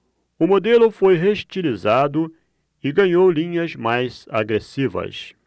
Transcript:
o modelo foi reestilizado e ganhou linhas mais agressivas